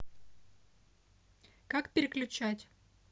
как переключать